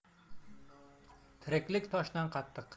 tiriklik toshdan qattiq